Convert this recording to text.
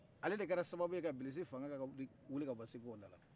ale de kɛra sababu ye ka bilisi fanga ta ka wili ka bɔ segu yan